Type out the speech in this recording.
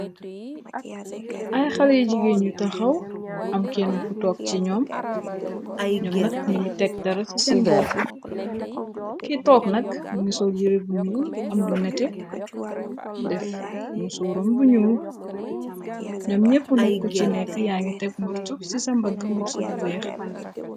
Aiiy xaleh yu jigeen yu taxaw, am kenue ku tok ci njom, njom nak njungi tek dara ci sehn boppu, ki tok nak mungi sol yehre bu njull am lu neteh, def musorram bu njull, njom njehpp nak ku chi nekk yaangi tek morsoh ci sa mbaggu, morsoh bu weex.